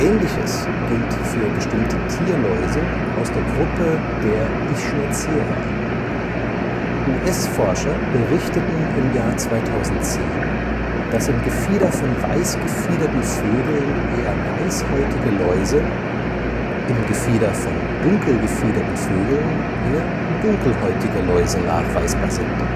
Ähnliches gilt für bestimmte Tierläuse aus der Gruppe der Ischnocera: US-Forscher berichteten im Jahr 2010, dass im Gefieder von weiß gefiederten Vögeln eher weißhäutige Läuse, im Gefieder von dunkel gefiederten Vögeln eher dunkelhäutige Läuse nachweisbar sind